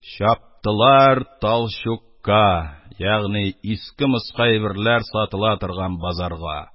Чаптылар талчукка ягъни иске-москы сатыла торган базарга